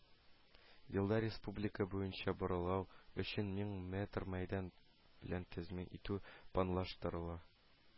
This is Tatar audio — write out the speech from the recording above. Елда республика буенча бораулау өчен мең метр мәйдан белән тәэмин итү планлаштырыла